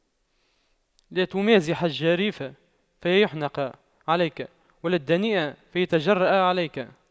لا تمازح الشريف فيحنق عليك ولا الدنيء فيتجرأ عليك